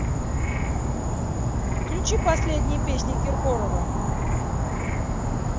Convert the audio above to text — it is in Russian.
включи последние песни киркорова